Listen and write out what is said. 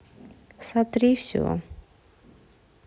сотри все